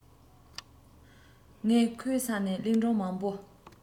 ངས ཁོའི ས ནས གླིང སྒྲུང མང པོ